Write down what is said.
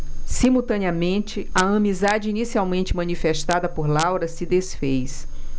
simultaneamente a amizade inicialmente manifestada por laura se disfez